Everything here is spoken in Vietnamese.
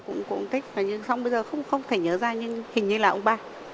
cũng cũng thích xong bây giờ không không thể nhớ ra nhưng hình như là ông ba